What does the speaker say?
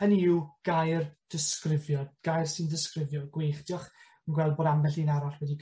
Hynny yw gair disgrifio. Gair sy'n disgrifio, gwych. Dioch, wi'n gweld bod ambell un arall wedi